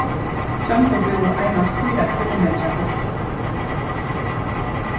tróndur búði einans fýra kilometrar burtur